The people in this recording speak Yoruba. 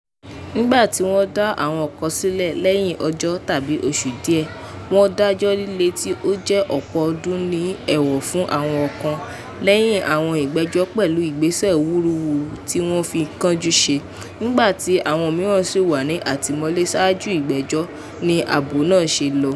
"Nígbà tí wọ́n dá àwọn kan sílẹ̀ lẹ́yìn ọjọ́ tàbí ọ̀sẹ̀ díẹ̀, wọ́n dájọ́ líle tí ó jẹ́ ọ̀pọ̀ ọdún ní ẹ̀wọ̀n fún àwọn kan lẹ́yìn àwọn ìgbẹ́jọ́ pẹ̀lú ìgbésẹ̀ wúrúwúrú tí wọ́n fi ìkánjú ṣe, nígbà tí àwọn mìíràn sì wà ní àtìmọ́lé ṣáájú ìgbẹ́jọ́," ni àbọ̀ náà ṣe lọ.